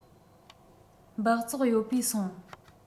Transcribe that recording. སྦགས བཙོག ཡོད པའི སོང